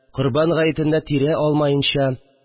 Корбан гаетендә тире алмаенча